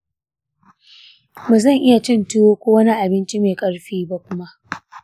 ba zan iya cin tuwo ko wani abinci mai ƙarfi ba kuma.